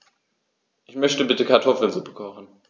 Ich möchte bitte Kartoffelsuppe kochen.